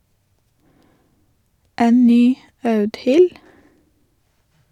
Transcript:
En ny Audhild?